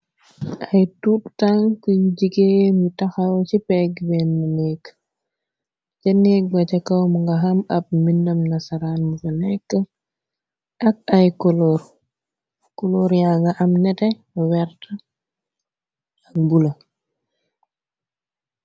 Ay tuurtan kuy jigee mu taxaw ci pegg bennmu nékg ca neeg ba ca kawm nga xam ab mbindam na saraan mu fa nekk ak ay koloor ya nga am nete wert ak bula.